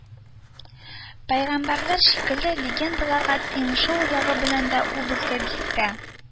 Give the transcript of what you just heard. Пәйгамбәрләр шикелле, легендаларга тиң, шул ягы белән дә ул безгә бик тә